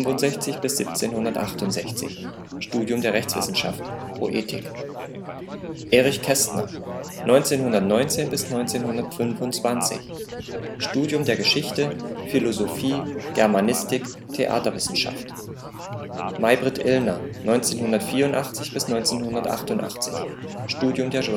1768, Studium der Rechtswissenschaft, Poetik Erich Kästner, 1919 – 1925, Studium der Geschichte, Philosophie, Germanistik, Theaterwissenschaft Maybrit Illner,1984 – 1988, Studium der